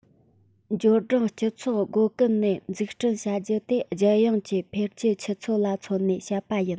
འབྱོར འབྲིང སྤྱི ཚོགས སྒོ ཀུན ནས འཛུགས སྐྲུན བྱ རྒྱུ དེ རྒྱལ ཡོངས ཀྱི འཕེལ རྒྱས ཆུ ཚད ལ མཚོན ནས བཤད པ ཡིན